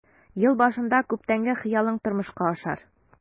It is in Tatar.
Ел башында күптәнге хыялың тормышка ашар.